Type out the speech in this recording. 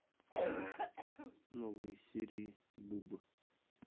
новые серии бубы